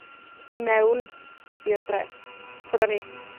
i mewn, i'r dre. Ffwr â ni.